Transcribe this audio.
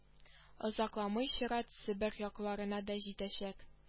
Озакламый чират себер якларына да җитәчәк